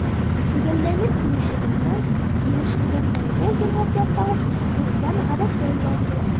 Төгәлләнеп килүче елны ирешелгәннәргә йомгак ясау күркәм гадәткә әйләнде.